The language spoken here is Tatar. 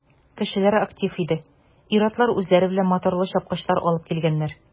Кешеләр актив иде, ир-атлар үзләре белән моторлы чапкычлар алыпн килгәннәр.